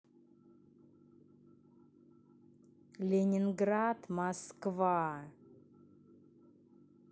ленинград москва